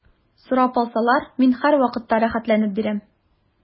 Сорап алсалар, мин һәрвакытта рәхәтләнеп бирәм.